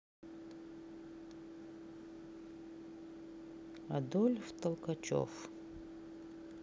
адольф толкачев